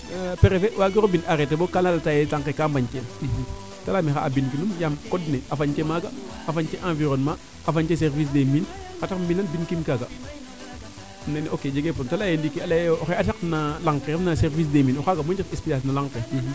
prefet waagiro mbin arret koy kaa na lalta yee laŋ ke kaa mbañ teel ne leyaame xa'a mbindi num yaam code de a fañte maaga a fañte envirennement a fañte service des mines xa taxu mbin kiim maaga im leyne ok jegee prebleme te leyee ndiiki a leya yo oxe saq na laŋ ke no service des mines o xaaga moƴu jeg experience no laŋ ke